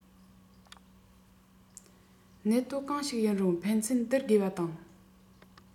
གནད དོན གང ཞིག ཡིན རུང ཕན ཚུན སྡུར དགོས པ དང